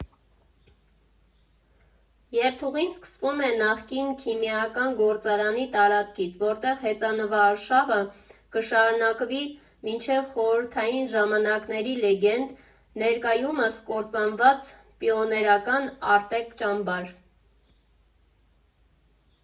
Երթուղին սկսվում է նախկին Քիմիական գործարանի տարածքից, որտեղից հեծանվարշավը կշարունակվի մինչև խորհրդային ժամանակների լեգենդ, ներկայումս կործանված պիոներական «Արտեկ» ճամբար։